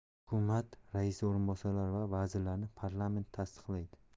hukumat raisi o'rinbosarlari va vazirlarni parlament tasdiqlaydi